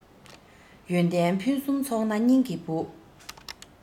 ཡོན ཏན ཕུན སུམ ཚོགས ན སྙིང གི བུ